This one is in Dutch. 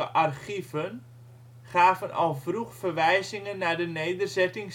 archieven gaven al vroeg verwijzingen naar de nederzetting